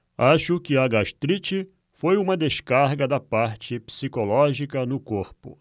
acho que a gastrite foi uma descarga da parte psicológica no corpo